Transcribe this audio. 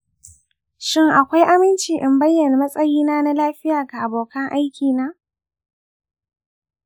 shin akwai aminci in bayyana matsayina na lafiya ga abokan aiki na?